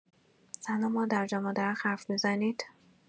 سلام مادرجان، با درخت حرف می‌زنید؟